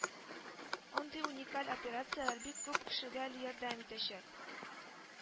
Аңдый уникаль операцияләр бик күп кешегә әле ярдәм итәчәк